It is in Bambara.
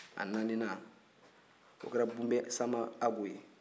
a naaninan o kɔra gunbeli sanba hako ye